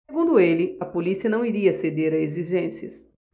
segundo ele a polícia não iria ceder a exigências